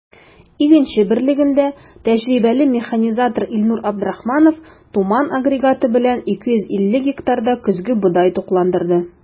“игенче” берлегендә тәҗрибәле механизатор илнур абдрахманов “туман” агрегаты белән 250 гектарда көзге бодай тукландырды.